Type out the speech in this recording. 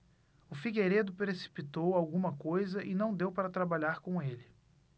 o figueiredo precipitou alguma coisa e não deu para trabalhar com ele